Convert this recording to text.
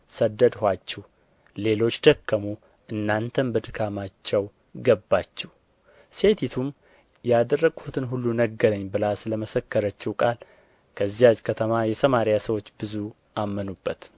ሰደድኋችሁ ሌሎች ደከሙ እናንተም በድካማቸው ገባችሁ ሴቲቱም ያደረግሁትን ሁሉ ነገረኝ ብላ ስለ መሰከረችው ቃል ከዚያች ከተማ የሰማርያ ሰዎች ብዙ አመኑበት